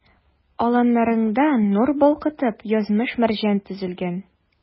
Алларыңда, нур балкытып, язмыш-мәрҗән тезелгән.